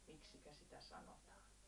miksikä sitä sanotaan